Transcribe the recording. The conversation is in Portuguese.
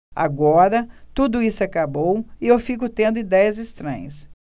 agora tudo isso acabou e eu fico tendo idéias estranhas